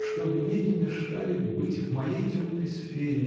чтоб мне не мешали быть в моей темной сфере